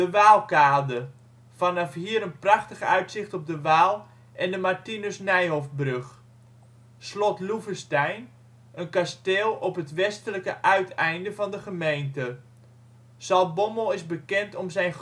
Waalkade: vanaf hier een prachtig uitzicht op de Waal en de Martinus Nijhoffbrug. Slot Loevestein, een kasteel op het westelijke uiteinde van de gemeente. Zaltbommel is bekend om zijn